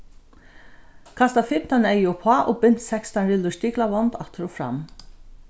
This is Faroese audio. kasta fimtan eygu upp á og bint sekstan rillur stiklavond aftur og fram